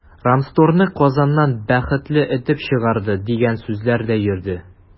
“рамстор”ны казаннан “бәхетле” этеп чыгарды, дигән сүзләр дә йөрде.